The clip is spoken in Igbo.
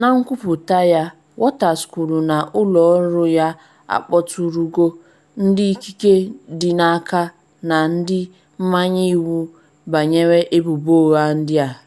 Na nkwuputa ya, Waters kwuru na ụlọ ọrụ ya akpọturugo “ ndị ikike dị n’aka na ndị mmanye iwu banyere ebubo ụgha ndị a.